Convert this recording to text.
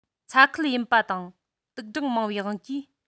ཚ ཁུལ ཡིན པ དང དུག སྦྲང མང བའི དབང གིས